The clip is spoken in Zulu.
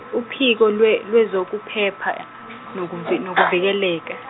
uPhiko lwe- lwezokuPhepha, nokuVi- nokuVikeleka.